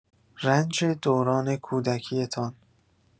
رنج دوران کودکی‌تان